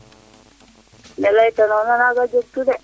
ne leyta noona naga jeg tu de